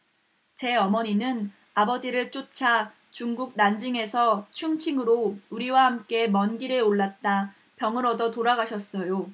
제 어머니는 아버지를 쫓아 중국 난징에서 충칭으로 우리와 함께 먼 길에 올랐다 병을 얻어 돌아가셨어요